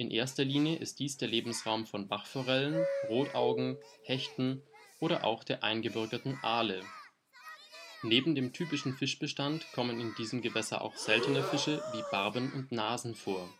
erster Linie ist dies der Lebensraum von Bachforellen, Rotaugen, Hechten oder auch der eingebürgerten Aale. Neben dem typischen Fischbestand kommen in diesem Gewässer auch seltene Fische wie Barben und Nasen vor